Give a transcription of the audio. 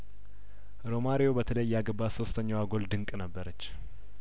ሮማሪዮ በተለይያገባት ሶስተኛዋ ጐሉ ድንቅ ነበረች